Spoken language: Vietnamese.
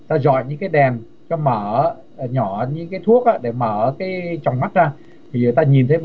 ta dọi những cái đèn ta mở nhỏ những cái thuốc á để mở cái tròng mắt ra giờ ta nhìn thấy